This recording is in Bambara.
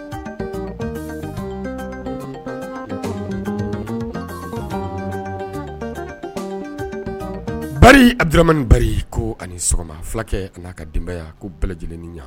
Ba adiramani ni ba ko ani sɔgɔma fulakɛ ania ka denbaya ko bɛɛ lajɛlen ni ɲɛ